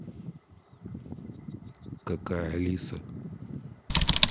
какая алиса